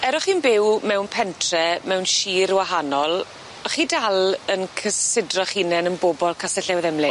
Er o'ch chi'n byw mewn pentre mewn shir wahanol o'ch chi dal yn cysidro'ch hunen yn bobol Castell Newydd Emlyn?